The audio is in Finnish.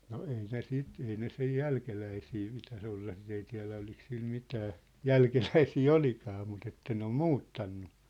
no ei ne sitä ei ne sen jälkeläisiä pitäisi olla sitä ei tiedä oliko sillä mitään jälkeläisiä olikaan mutta että ne on muuttanut